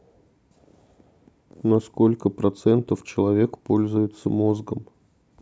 насколько процентов человек пользуется мозгом